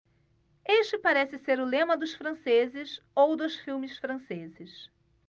este parece ser o lema dos franceses ou dos filmes franceses